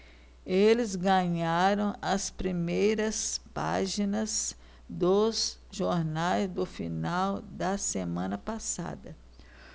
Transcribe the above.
eles ganharam as primeiras páginas dos jornais do final da semana passada